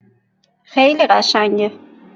خیلی قشنگه!